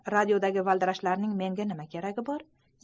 radiodagi valdirashlarning menga nima keragi bor